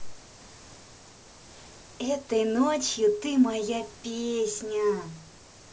этой ночью ты моя песня